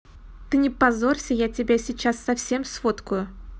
ты не позорься я тебя сейчас совсем сфоткаю